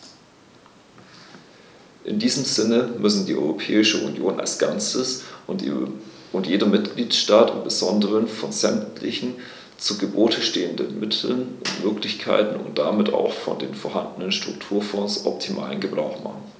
In diesem Sinne müssen die Europäische Union als Ganzes und jeder Mitgliedstaat im besonderen von sämtlichen zu Gebote stehenden Mitteln und Möglichkeiten und damit auch von den vorhandenen Strukturfonds optimalen Gebrauch machen.